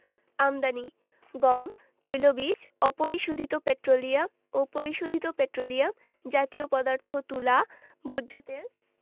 আমদানিঃ গম তৈলবীজ অপরিশোধিত পেট্রোলিয়াম ও পরিশোধিত পেট্রোলিয়াম জাতীয় পদার্থ তুলা ভোজ্যতেল